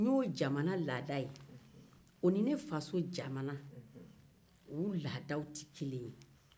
o jamana laada ni ne faso laadaw tɛ kelen ye